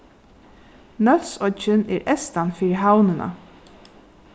nólsoyggin er eystan fyri havnina